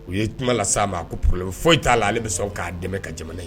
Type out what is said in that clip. U ye kuma la sa ma, a ko problème foyi t'a la, a le bɛ sɔn k'a dɛmɛ ka